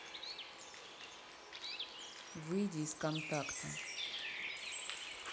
выйди из контакта